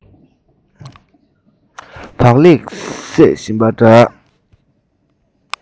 ཐོག ཏུ བག ལེབ སྲེག བཞིན པ འདྲ